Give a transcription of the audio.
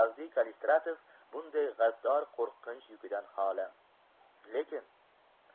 avdiy kallistratov bunday g'addor qo'rqinch yukidan xoli